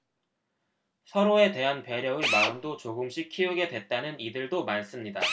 서로에 대한 배려의 마음도 조금씩 키우게 됐다는 이들도 많습니다